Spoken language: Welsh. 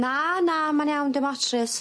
Na na mae'n iawn dim ots Rhys.